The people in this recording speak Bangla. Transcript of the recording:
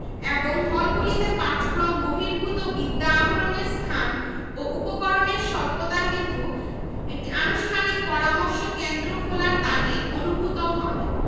১৯৩৯ ৪০ সালে ঢাকা ইউনিভার্সিটি ইমপ্লয়ি বিউরো খোলা হয় শুরুতে ঢাকা কলেজ ও ঢাকা ল কলেজ হতে প্রাপ্ত